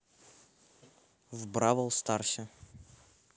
в бравл старсе